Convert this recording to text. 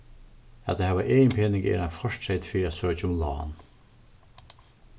at hava eginpening er ein fortreyt fyri at søkja um lán